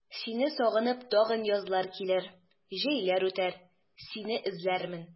Сине сагынып тагын язлар килер, җәйләр үтәр, сине эзләрмен.